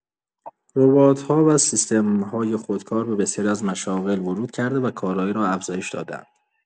ربات‌ها و سیستم‌های خودکار به بسیاری از مشاغل ورود کرده و کارایی را افزایش داده‌اند.